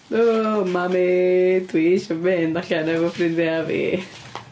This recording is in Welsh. "W, mami dwi isio mynd allan efo ffrindiau fi."